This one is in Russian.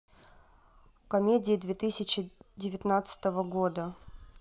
комедии две тысячи девятнадцатого года